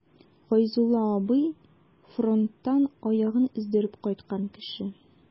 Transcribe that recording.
Гайзулла абый— фронттан аягын өздереп кайткан кеше.